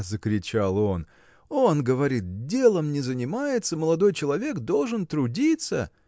– закричал он, – он, говорит, делом не занимается молодой человек должен трудиться.